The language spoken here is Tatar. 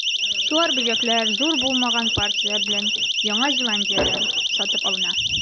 Чуар бөҗәкләр, зур булмаган партияләр белән, Яңа Зеландиядә сатып алына.